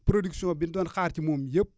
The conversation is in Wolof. production bi ñu doon xaar ci moom yëpp